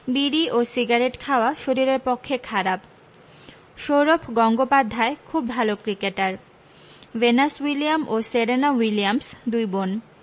বিড়ি ও সিগারেট খাওয়া শরীরের পক্ষে খারাপ সৌরভ গঙ্গোপাধ্যায় খুব ভালো ক্রিকেটার ভেনাস উইলিয়াম ও সেরেনা উইলিয়ামস দুই বোন